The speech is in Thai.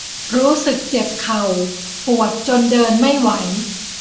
รู้สึกเจ็บเข่าปวดจนเดินไม่ไหว